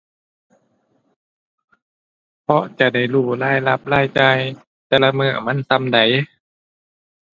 เพราะจะได้รู้รายรับรายจ่าย แต่ละมื้อมันส่ำใด